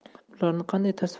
ularni qanday tasvir